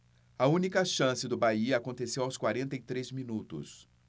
a única chance do bahia aconteceu aos quarenta e três minutos